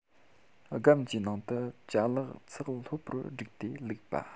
སྒམ གྱི ནང དུ ཅ ལག ཚགས ལྷོད པོར བསྒྲིགས ཏེ བླུག པ